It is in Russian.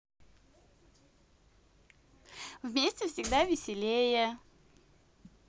вместе всегда веселее